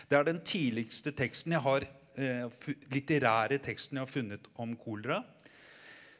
det er den tidligste teksten jeg har litterære teksten jeg har funnet om kolera.